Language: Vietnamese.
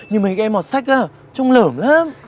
nhưng mấy cái em mọt sách á trông lởm lắm